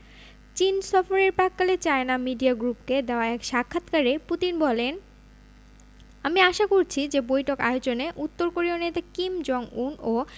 চীন সফরের প্রাক্কালে চায়না মিডিয়া গ্রুপকে দেওয়া এক সাক্ষাৎকারে পুতিন বলেন আমি আশা করছি যে বৈঠক আয়োজনে উত্তর কোরীয় নেতা কিম জং উন ও